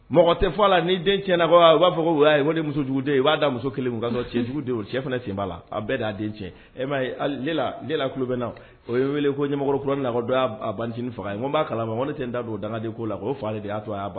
Mɔgɔ tɛ fɔ a la ni den tiɲɛna bagaa u b'a fɔ ko oui ko ni musojuguden u b'a da muso 1 kun kasɔrɔ cɛ jugu denw cɛ fɛnɛ sen b'a la a' bɛɛ de y'a' den tiɲɛ e m'a ye ali Lela Lela kulo bɛ na o o ye n weele ko Ɲɛmakɔrɔkurani na ko dɔ y'a b a banicinin faga yen n ko n b'a kalama ŋo ne tɛ n da don o daŋaden ko la quoi o fa yɛrɛ de y'a to a y'a ba